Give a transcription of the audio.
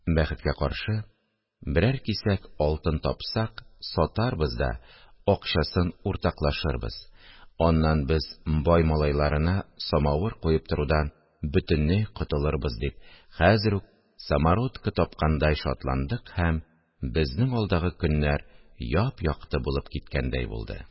– бәхеткә каршы, берәр кисәк алтын тапсак, сатарбыз да акчасын уртаклашырбыз, аннан без бай малайларына самавыр куеп торудан бөтенләй котылырбыз, – дип, хәзер үк самородкы тапкандай шатландык һәм безнең алдагы көннәр яп-якты булып киткәндәй булды